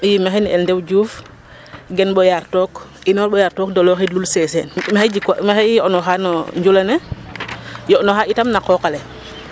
II maxey ne'e Ndew Diouf gen Mboyar Took. Inox Mboyar Took dolooxiid Lul Seseen maxey jikwaa, maxey yo'nooxaa no njula ne yo'nooxaa itam na qooq ale.